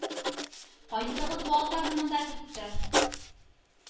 -кайсыгыз бу атларны монда кертте?!-